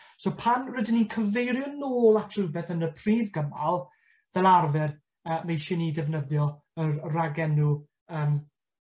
So pan rydyn ni'n cyfeirio nôl at rwbeth yn y prif gymal, fel arfer yy ma' isie ni defnyddio yr ragenw yym